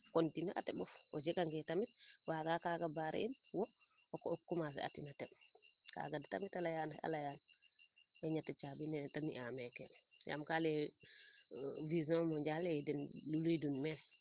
continuer a teɓof o jega nge tamit waaga kaaga barrer in wo o commencer a tina teɓ kaaga tamit a leyaan ñeti caabi ne te e a meeke yaam ka leye vision mondial den luliidun meen